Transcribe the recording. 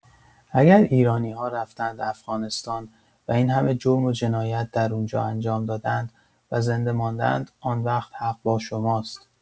اگر ایرانی‌‌ها رفتند افغانستان و این همه جرم و جنایت در اونجا انجام دادند و زنده ماندند آنوقت حق با شماست